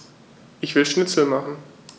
Ich will Schnitzel machen.